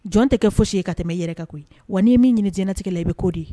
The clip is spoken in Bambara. Jɔn tɛ kɛ foyisi ye ka tɛmɛ yɛrɛ ka koyi wa n' ye min ɲini jtigɛ la i bɛ ko de ye